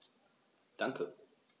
Danke.